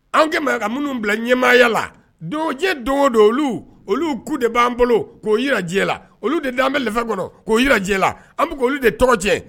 An kɛ maa ka minnu bila ɲɛmaayala don o diɲɛ don o don olu olu ku de b'an bolo k'o yira olu diɲɛ la olu de daan be lɛfɛ kɔnɔ k'o yira diɲɛ la an be k'olu de tɔgɔ tiɲɛ